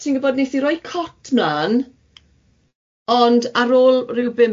Ie ti'n gwbod 'nes i roi cot mlan, ond ar ôl ryw bum